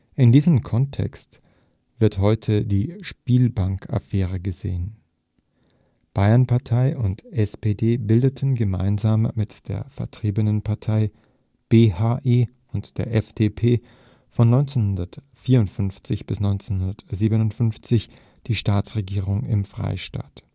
In diesem Kontext wird heute die Spielbankenaffäre gesehen. Bayernpartei und SPD bildeten gemeinsam mit der Vertriebenenpartei BHE und der FDP von 1954 bis 1957 die Staatsregierung im Freistaat